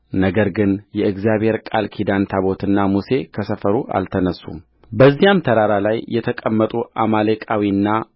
ነገር ግን የእግዚአብሔር ቃል ኪዳን ታቦትና ሙሴ ከሰፈሩ አልተነሡምበዚያም ተራራ ላይ የተቀመጡ አማሌቃዊና